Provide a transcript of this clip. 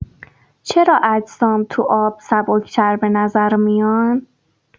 چرا اجسام تو آب سبک‌تر به‌نظر میان؟